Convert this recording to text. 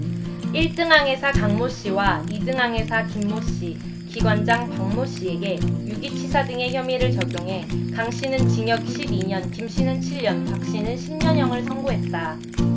일 등 항해사 강모씨와 이 등 항해사 김모씨 기관장 박모씨에게 유기치사 등의 혐의를 적용해 강씨는 징역 십 이 년 김씨는 칠 년 박씨는 십 년 형을 선고했다